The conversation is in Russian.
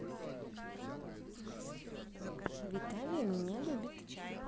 виталия меня любит